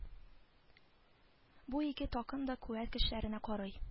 Бу ике такым да куәт көчләренә карый